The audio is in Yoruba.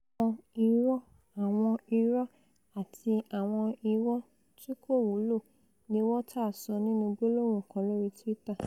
Àwọn irọ́, àwọn irọ́, àti àwọn irọ́ tíkòwúlò,'' ni Walters sọ nínú gbólóhùn kan lórí Twitter.